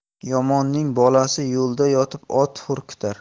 yomonning bolasi yo'lda yotib ot hurkitar